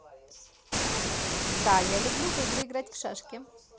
да я люблю в игры играть в шашки